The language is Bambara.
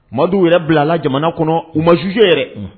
Madi yɛrɛ bilala jamana kɔnɔ u ma so yɛrɛ